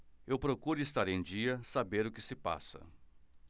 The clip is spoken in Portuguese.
eu procuro estar em dia saber o que se passa